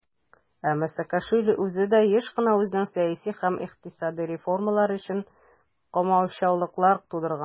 Әмма Саакашвили үзе дә еш кына үзенең сәяси һәм икътисади реформалары өчен комачаулыклар тудырган.